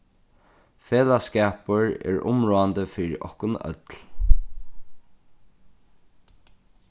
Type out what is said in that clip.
felagsskapur er umráðandi fyri okkum øll